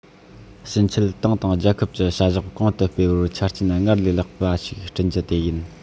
ཕྱིན ཆད ཏང དང རྒྱལ ཁབ ཀྱི བྱ གཞག གོང དུ སྤེལ བར ཆ རྐྱེན སྔར ལས ལེགས པ ཞིག བསྐྲུན རྒྱུ དེ ཡིན